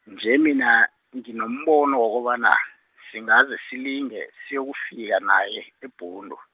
nje mina, nginombono wokobana, singaze silinge siyokufika naye, eBhundu.